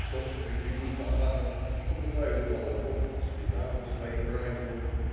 Сестры бегут по хатам, покупают молоко, сметану своим раненым.